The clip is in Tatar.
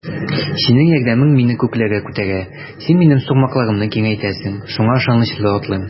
Синең ярдәмең мине күкләргә күтәрә, син минем сукмакларымны киңәйтәсең, шуңа ышанычлы атлыйм.